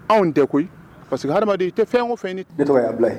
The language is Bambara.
Anw tɛ koyi parce que hadamaden i tɛ fɛn fɛn ni ; ne tɔgɔ ye Abulayi.